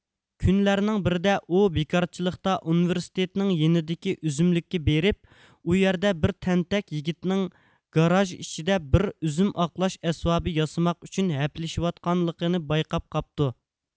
كۈنلەرنىڭ بىرىدە ئۇ بىكارچىلىقتا ئۇنىۋېرسىتېتىنىڭ يېنىدىكى ئۈزۈملۈككە بېرىپ ئۇ يەردە بىر تەنتەك يىگىتنىڭ گاراژ ئىچىدە بىر ئۈزۈم ئاقلاش ئەسۋابى ياسىماق ئۈچۈن ھەپىلىشىۋاتقانلىقىنى بايقاپ قاپتۇ